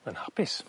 yn hapus.